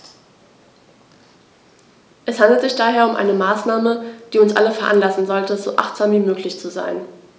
Es handelt sich daher um eine Maßnahme, die uns alle veranlassen sollte, so achtsam wie möglich zu sein.